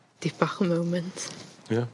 'di bach o moement. Ie.